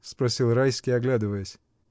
— спросил Райский, оглядываясь.